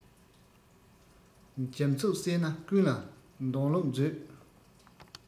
འཇམ རྩུབ བསྲེས ན ཀུན ལ འདོང ལུགས མཛོད